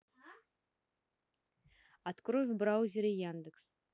открой в браузере яндекс